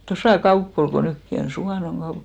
tuossa kauppa oli kun nytkin on Suvannon kauppa